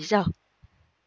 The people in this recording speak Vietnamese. giờ